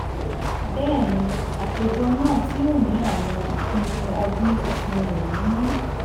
Bẹ́ẹ̀ni, àtòjọ náà tí ó ní àwọn Ìpinnu Ọdún Tuntun rẹ nínú.